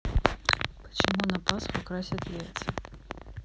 почему на пасху красят яйца